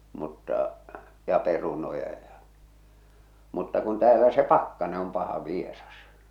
mutta ja perunoita ja mutta kun täällä se pakkanen on paha vieras